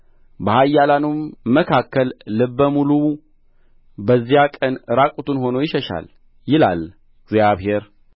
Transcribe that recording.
በኃያላኑም መካከል ልበ ሙሉው በዚያ ቀን ዕራቁቱን ሆኖ ይሸሻል ይላል እግዚአብሔር